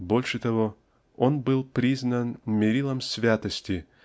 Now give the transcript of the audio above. больше того -- он был признан мерилом святости